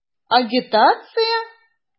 Агитация?!